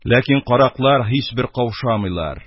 Ләкин караклар һичбер каушамыйлар.